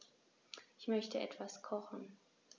Ich möchte etwas kochen.